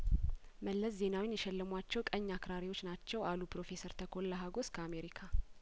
መለስ ዜናዊን የሸለሟቸው ቀኝ አክራሪዎች ናቸው አሉ ፕሮፌሰር ተኮላ ሀጐስ ከአሜሪካ